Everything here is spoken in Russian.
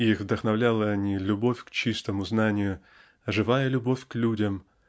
их вдохновляла не любовь к чистому знанию а живая любовь к людям